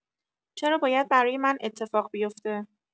چرا باید برای من اتفاق بی افته؟